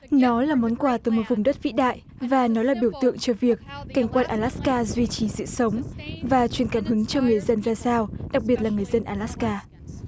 nó là món quà từ một vùng đất vĩ đại và nó là biểu tượng cho việc cảnh quang a la ca duy trì sự sống và truyền cảm hứng cho người dân ra sao đặc biệt người dân a la ca